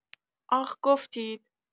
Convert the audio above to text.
آخ گفتید!